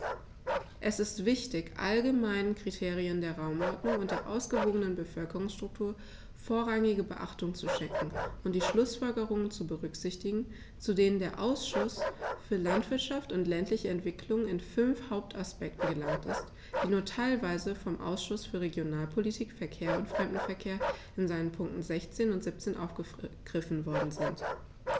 Es ist wichtig, allgemeinen Kriterien der Raumordnung und der ausgewogenen Bevölkerungsstruktur vorrangige Beachtung zu schenken und die Schlußfolgerungen zu berücksichtigen, zu denen der Ausschuss für Landwirtschaft und ländliche Entwicklung in fünf Hauptaspekten gelangt ist, die nur teilweise vom Ausschuss für Regionalpolitik, Verkehr und Fremdenverkehr in seinen Punkten 16 und 17 aufgegriffen worden sind.